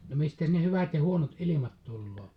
no mistäs ne hyvät ja huonot ilmat tulee